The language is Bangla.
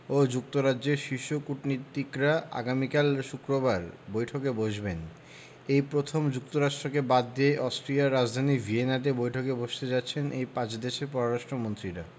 ও যুক্তরাজ্যের শীর্ষ কূটনীতিকরা আগামীকাল শুক্রবার বৈঠকে বসবেন এই প্রথম যুক্তরাষ্ট্রকে বাদ দিয়ে অস্ট্রিয়ার রাজধানী ভিয়েনাতে বৈঠকে বসতে যাচ্ছেন এই পাঁচ দেশের পররাষ্ট্রমন্ত্রীরা